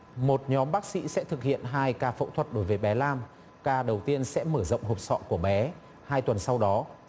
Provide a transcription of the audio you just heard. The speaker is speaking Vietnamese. một nhóm bác sĩ sẽ thực hiện hai ca phẫu thuật đối với bé lam ca đầu tiên sẽ mở rộng hộp sọ của bé hai tuần sau đó